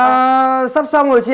ờ sắp xong rồi chị ạ